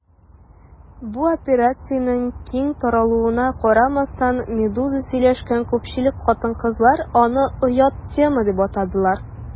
Бу операциянең киң таралуына карамастан, «Медуза» сөйләшкән күпчелек хатын-кызлар аны «оят тема» дип атадылар.